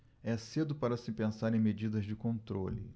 é cedo para se pensar em medidas de controle